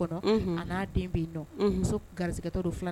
Kɔnɔ, a n'a den be yen nɔ. Muso min garjɛgɛ tɔ don fila